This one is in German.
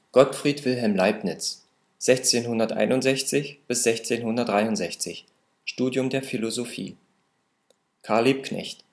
Gottfried Wilhelm Leibniz, 1661 – 1663, Studium der Philosophie Karl Liebknecht